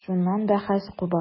Шуннан бәхәс куба.